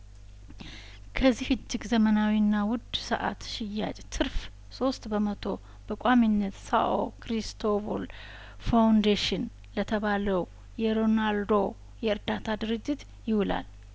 ከዚህ እጅግ ዘመናዊና ውድ ሰአት ሽያጭ ትርፍ ሶስት በመቶ በቋሚነት ሳኦክሪስቶ ቮል ፋውንዴሽን ለተባለው የሮናልዶ የእርዳታ ድርጅት ይውላል